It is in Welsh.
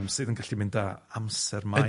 yym sydd yn gallu mynd â amser maith.